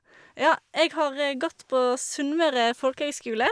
Ja, jeg har gått på Sunnmøre Folkehøgskule.